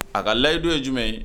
A ka layidu ye jumɛn ye